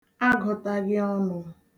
agụ̄taghị ọnụ̄